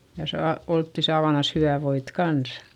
ja saa oltiin saavanansa hyvää voita kanssa